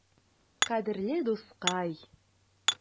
Кадерле дускай!